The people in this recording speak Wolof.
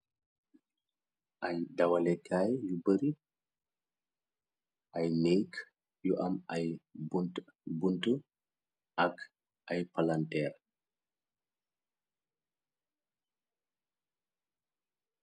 Ay dawalekaay yu bari ay nékk yu am ay buntu ak ay palanteer.